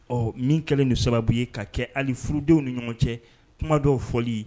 Ɔɔ min kɛlen don sababu ye ka kɛ hali furudenw ni ɲɔgɔn cɛ kuma dɔw fɔli